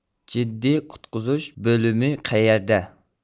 جىددىي قۇتقۇزۇش بۆلۈمى قەيەردە